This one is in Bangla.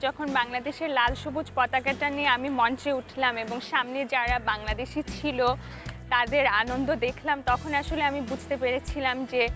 যখন বাংলাদেশের লাল সবুজ পতাকা টানিয়ে আমি মঞ্চে উঠলাম এবং সামনে যারা বাংলাদেশি ছিল তাদের আনন্দ দেখলাম তখনই আমি বুঝতে পেরেছিলাম যে